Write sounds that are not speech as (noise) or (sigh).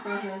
(hesitation) (hesitation)